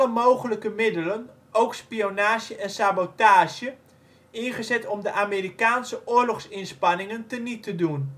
mogelijke middelen (ook spionage en sabotage) ingezet om de Amerikaanse oorlogsinspanningen teniet te doen